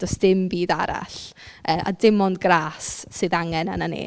Does dim byd arall yy a dim ond gras sydd angen arnon ni.